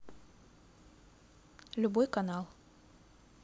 любой канал